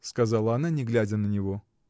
— сказала она, не глядя на него.